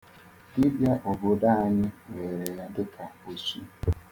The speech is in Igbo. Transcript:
Dibịa obodo anyị were ya dị ka osu.